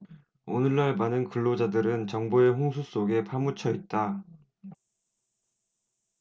오늘날 많은 근로자들은 정보의 홍수 속에 파묻혀 있다